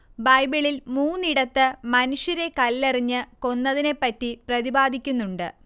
ബൈബിളിൽ മൂന്നിടത്ത് മനുഷ്യരെ കല്ലെറിഞ്ഞ് കൊന്നതിനെപ്പറ്റി പ്രതിപാതിക്കുന്നുണ്ട്